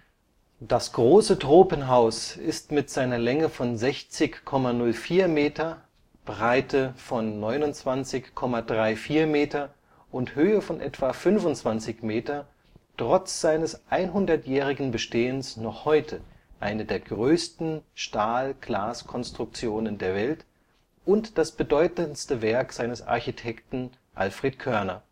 Das Große Tropenhaus ist mit seiner Länge von 60,04 Meter, Breite von 29,34 Meter und Höhe von etwa 25 Meter trotz seines einhundertjährigen Bestehens noch heute eine der größten Stahl-Glas-Konstruktionen der Welt und das bedeutendste Werk seines Architekten Alfred Koerner